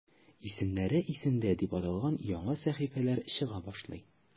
"исемнәре – исемдә" дип аталган яңа сәхифәләр чыга башлый.